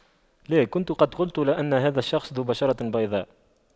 لا كنت قد قلت له أن هذا الشخص ذو بشرة بيضاء